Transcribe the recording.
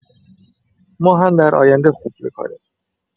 ما هم در آینده خوب می‌کنیم